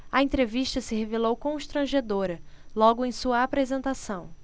a entrevista se revelou constrangedora logo em sua apresentação